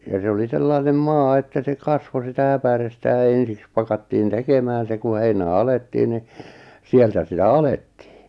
ja se oli sellainen maa että se kasvoi sitä äpärettä ja ensiksi pakattiin tekemään se kun heinä alettiin niin sieltä sitä alettiin